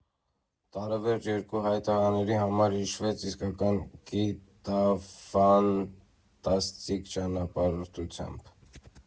Տարեվերջը երկու հայ տղաների համար հիշվեց իսկական գիտաֆանտաստիկ ճանապարհորդությամբ։